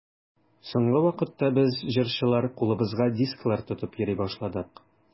Соңгы вакытта без, җырчылар, кулыбызга дисклар тотып йөри башладык.